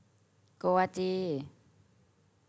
โกวาจี